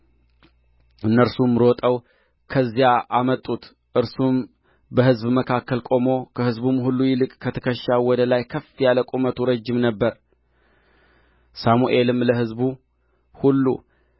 እነርሱም ሮጠው ከዚያ አመጡት እርሱም በሕዝቡ መካከል ቆመ ከሕዝቡም ሁሉ ይልቅ ከትከሻው ወደ ላይ ከፍ ያለ ቁመተ ረጅም ነበረ ሳሙኤልም ለሕዝቡ ሁሉ